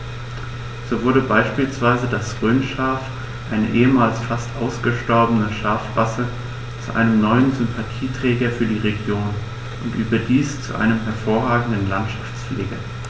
So wurde beispielsweise das Rhönschaf, eine ehemals fast ausgestorbene Schafrasse, zu einem neuen Sympathieträger für die Region – und überdies zu einem hervorragenden Landschaftspfleger.